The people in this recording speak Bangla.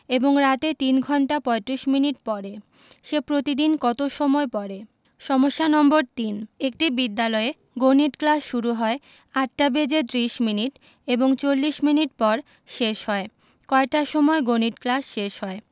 এবং রাতে ৩ ঘণ্টা ৩৫ মিনিট পড়ে সে প্রতিদিন কত সময় পড়ে সমস্যা নম্বর ৩ একটি বিদ্যালয়ে গণিত ক্লাস শুরু হয় ৮টা বেজে ৩০ মিনিট এবং ৪০ মিনিট পর শেষ হয় কয়টার সময় গণিত ক্লাস শেষ হয়